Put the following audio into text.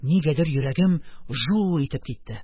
Нидәндер йөрәгем шу-у итеп китте.